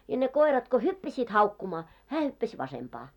ja ne koirat kun hyppäsivät haukkumaan hän hyppäsi vasempaan